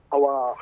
Awaa,